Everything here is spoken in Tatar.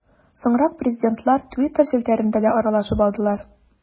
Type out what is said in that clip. Соңрак президентлар Twitter челтәрендә дә аралашып алдылар.